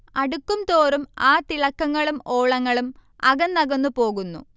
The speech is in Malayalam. അടുക്കുംതോറും ആ തിളക്കങ്ങളും ഓളങ്ങളും അകന്നകന്നു പോകുന്നു